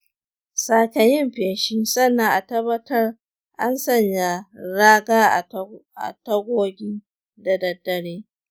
sake yin feshi sannan a tabbatar an sanya raga a tagogi da daddare.